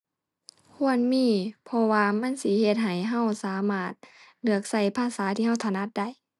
ควรมี เพราะว่ามันสิเฮ็ดให้เราสามารถเลือกเราภาษาที่เราถนัดได้